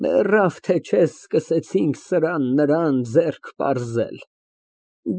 Մեռավ թե չէ, սկսեցինք սրան֊նրան ձեռք պարզել։